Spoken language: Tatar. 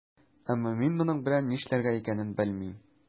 Әмма мин моның белән нишләргә икәнен белмим.